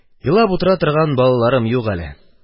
Елап утыра торган балаларым юк әле